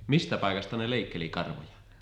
mistä paikasta ne leikkeli karvoja